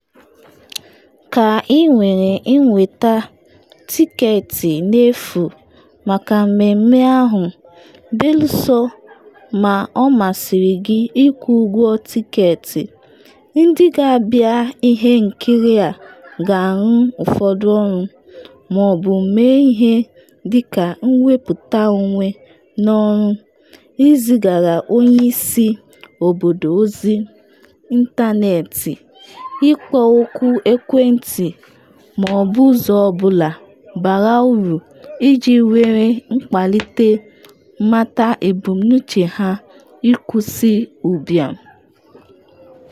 Ka ị were nweta tịketị n’efu maka mmemme ahụ (beluso ma ọ masịrị gị ịkwụ ụgwọ tịketị), ndị ga-abịa ihe nkiri a ga-arụ ụfọdụ ọrụ, ma ọ bụ ‘mee ihe’ dịka nwepụta onwe n’ọrụ, izigara onye isi obodo ozi ịntanetị, ịkpọ oku ekwentị ma ọ bụ ụzọ ọ bụla bara uru iji were kpalite mmata ebumnuche ha ịkwụsị ụbịam.